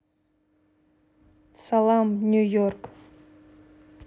салам нью йорк